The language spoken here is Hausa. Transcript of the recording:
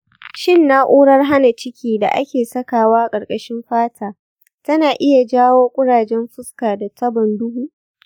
shin na’urar hana ciki da ake sakawa ƙarƙashin fata tana iya jawo kurajen fuska da tabon duhu ?